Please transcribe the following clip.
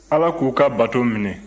ala k'u ka bato minɛ